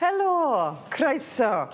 Helo! Croeso!